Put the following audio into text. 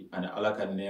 Ani Ala ka nɛ